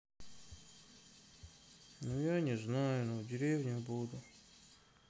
ну я не знаю но в деревню буду